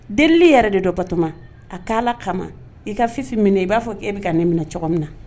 Delieli yɛrɛ de don Batoma. A kɛ allah kama i ka Fifi minɛ i b'a fɔ k'e bɛ ka ne minɛ cogo min na.